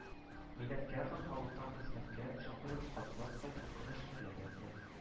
Милләткә һәм халыкка хезмәткә чакырып, Габдулла Тукай күп кенә шигырьләр язды